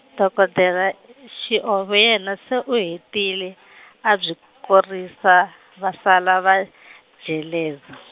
dokodela, Xiove yena se u hetile , a byi korisa, va sala va , jeleza.